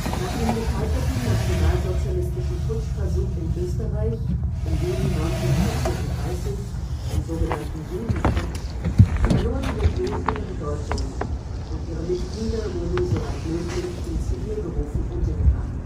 Nach dem gescheiterten nationalsozialistischen Putschversuch in Österreich im Juli 1934, dem sogenannten Juliputsch, verlor die Legion ihre Bedeutung, und ihre Mitglieder wurden soweit möglich in Zivilberufen untergebracht